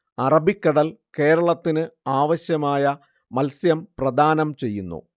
അറബിക്കടൽ കേരളത്തിന് ആവശ്യമായ മത്സ്യം പ്രദാനം ചെയ്യുന്നു